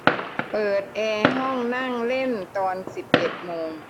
เปิดแอร์ห้องนั่งเล่นตอนสิบเอ็ดโมง